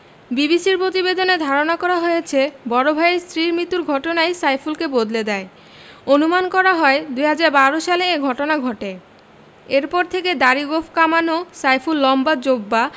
বিবিসির প্রতিবেদনে ধারণা করা হয়েছে বড় ভাইয়ের স্ত্রীর মৃত্যুর ঘটনাই সাইফুলকে বদলে দেয় অনুমান করা হয় ২০১২ সালে এ ঘটনা ঘটে এরপর থেকে দাড়ি গোঁফ কামানো সাইফুল লম্বা জোব্বা